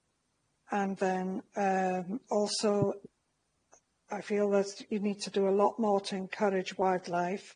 And then um also I feel that you need to do a lot more to encourage wildlife.